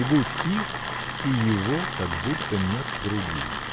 не будь их, и его как будто нет в груди.